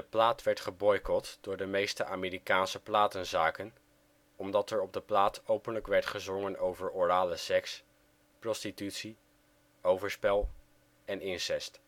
plaat werd geboycot door de meeste Amerikaanse platenzaken, omdat er op de plaat openlijk werd gezongen over orale seks, prostitutie, overspel en incest